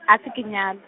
a se ke nyal-.